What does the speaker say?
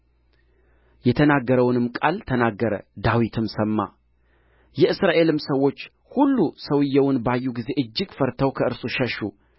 የተናገረውንም ቃል ተናገረ ዳዊትም ሰማ የእስራኤልም ሰዎች ሁሉ ሰውዮውን ባዩ ጊዜ እጅግ ፈርተው ከእርሱ ሸሹ